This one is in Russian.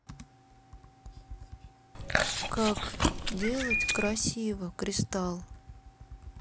как делать красиво кристалл